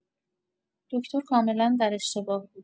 دکتر کاملا در اشتباه بود.